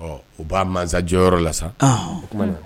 Ɔ u b'a mansajɛyɔrɔ la sa o